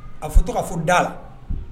A fo to kan fo da la